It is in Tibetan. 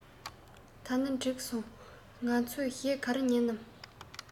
ད ནི གྲིགས སོང ང ཚོ གཞས ག རེ ཉན ནམ